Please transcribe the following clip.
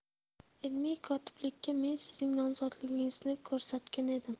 ilmiy kotiblikka men sizning nomzodingizni ko'rsatgan edim